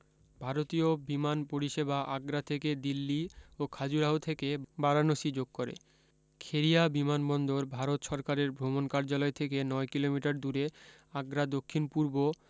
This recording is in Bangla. ভারতীয় বিমান পরিষেবা আগ্রা থেকে দিল্লী ও খাজুরাহো থেকে বারানসী যোগ করে খেরিয়া বিমান বন্দর ভারত সরকারের ভ্রমণ কার্যালয় থেকে নয় কিলোমিটার দূরে আগ্রাদক্ষিন পূর্ব